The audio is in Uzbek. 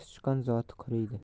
sichqon zoti quriydi